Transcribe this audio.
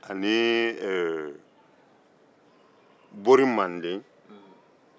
ani ɛɛ bori manden